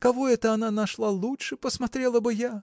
Кого это она нашла лучше, посмотрела бы я?.